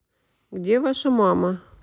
где ваша мама